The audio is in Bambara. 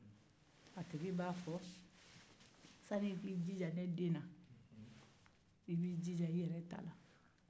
a tigi b'a fɔ sani i k'i jija ne den na i b'i jija i yɛrɛ ta la